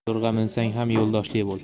yo'rg'a minsang ham yo'ldoshli bo'l